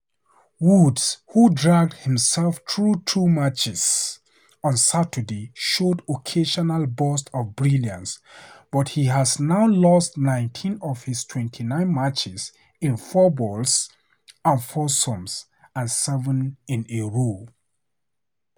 Woods, who dragged himself through two matches on Saturday, showed occasional bursts of brilliance but he has now lost 19 of his 29 matches in fourballs and foursomes and seven in a row.